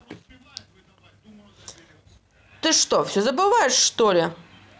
ты что все забываешь что ли